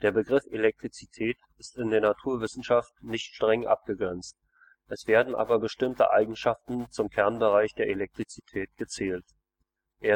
Der Begriff Elektrizität ist in der Naturwissenschaft nicht streng abgegrenzt, es werden aber bestimmte Eigenschaften zum Kernbereich der Elektrizität gezählt: Die